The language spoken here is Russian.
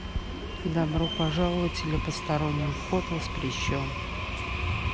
добро пожаловать или посторонним вход воспрещен